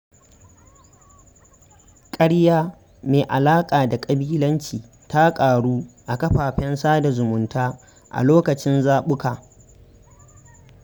ƙarya mai alaƙa da ƙabilanci ta ƙaru a kafafen sada zumunta a lokacin zaɓuka.